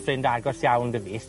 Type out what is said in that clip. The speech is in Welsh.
...ffrind agos iawn 'da fi.